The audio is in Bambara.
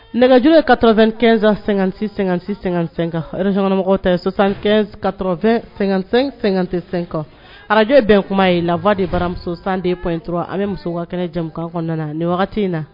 Nɛgɛj ye kafɛnɛn-sansɛ-sɛ-sɛsɛka recmɔgɔ tɛsankate sen araj bɛn kuma ye lafa de bara musosan de dɔrɔn an bɛ muso ka kɛnɛ jamukan kɔnɔna nin wagati in na